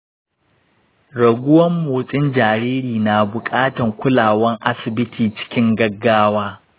raguwan motsin jariri na buƙatan kulawan asibiti cikin gaggawa.